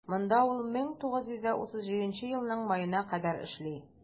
Монда ул 1937 елның маена кадәр эшли.